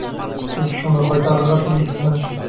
Сез шуны кайтарырга телисезме?